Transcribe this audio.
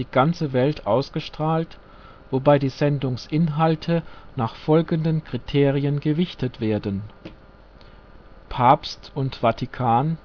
ganze Welt ausgestrahlt, wobei die Sendungsinhalte nach folgenden Kriterien gewichtet werden: Papst und Vatikan